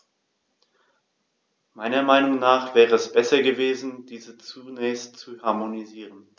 Meiner Meinung nach wäre es besser gewesen, diese zunächst zu harmonisieren.